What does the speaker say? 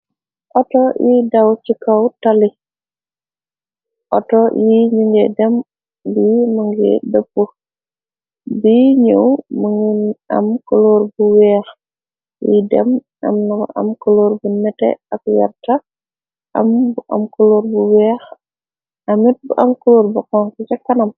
Auto yiy daw ci kaw tali, auto yi ñu ngay dem yii, mu ngee dëpp, biy ñëw më ngi am kuloor bu weex, yiy dem am na am koloor bu nétté ak werta, am bu am koloor bu weex amit bu am koloor bu xoñxa ca kanam.